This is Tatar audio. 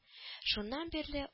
Шуннан бирле